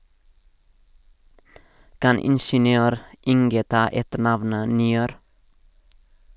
- Kan ingeniør Inge ta etternavnet Niør?